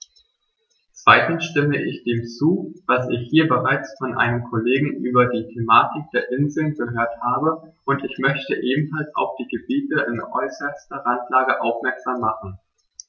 Zweitens stimme ich dem zu, was ich hier bereits von einem Kollegen über die Thematik der Inseln gehört habe, und ich möchte ebenfalls auf die Gebiete in äußerster Randlage aufmerksam machen.